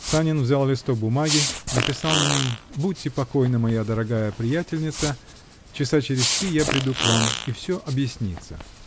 Санин взял листок бумаги, написал на нем: "Будьте покойны, моя дорогая приятельница, часа через три я приду к вам -- и все объяснится.